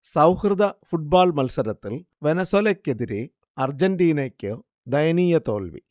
സൗഹൃദ ഫുട്ബോൾ മത്സരത്തിൽ വെനസ്വലക്കെതിരെ അർജന്റീനക്ക് ദയനീയ തോൽവി